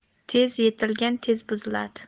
tez yetilgan tez buziladi